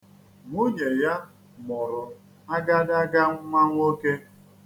Nwunye ya mụrụ agadaga nnwa nwoke.